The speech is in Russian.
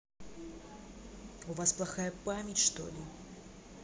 у вас плохая память что ли